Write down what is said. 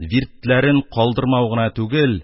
Вирдләрен калдырмау гына түгел,